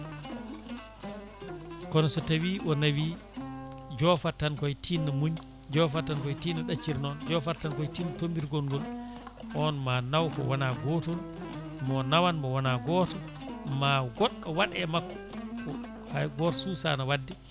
kono so tawi o nawi jofat tan koye tinno muñ jofata tan koye tinno ɗaccir noon jofata tan koye tinno tombito gongol on ma naaw ko wona gotol mon nawan mo wona goto ma goɗɗo waaɗ e makko ko hay goto suusano wadde